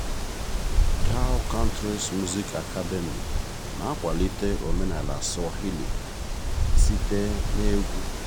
Dhow Countries Music Academy na-akwalite omenala Swahili site n'egwu